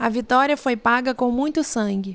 a vitória foi paga com muito sangue